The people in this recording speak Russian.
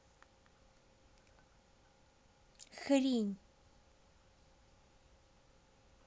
хрень